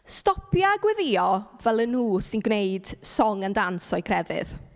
Stopia gweddïo fel 'y nhw sy'n gwneud song and dance o'u crefydd.